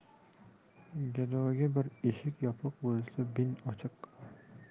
gadoga bir eshik yopiq bo'lsa bin ochiq